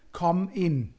Comm Inn.